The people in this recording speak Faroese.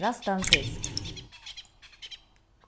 ræstan fisk